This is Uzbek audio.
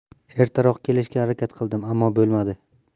ertaroq kelishga harakat qildim ammo bo'lmadi